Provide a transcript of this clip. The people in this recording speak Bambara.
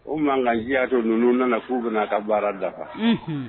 O mankan ci y'a to ninnu nana k'u bɛna a ka baara dafa, unhun.